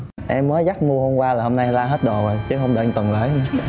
em mới dắt mua hôm qua là hôm nay là hết đồ rồi chứ không đợi tuần lễ nữa